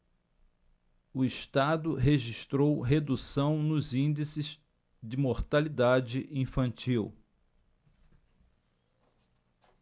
o estado registrou redução nos índices de mortalidade infantil